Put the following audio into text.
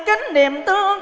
kín niềm thương